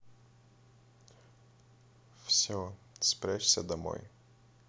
все спрячься домой